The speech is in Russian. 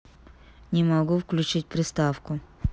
не могу включить приставку